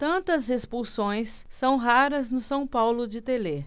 tantas expulsões são raras no são paulo de telê